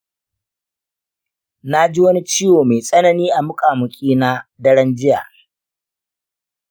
naji wani ciwo mai tsanani a muƙamuƙi na daren jiya.